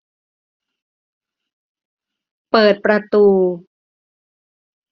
เปิดประตู